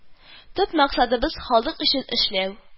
Төп максатыбыз халык өчен эшләү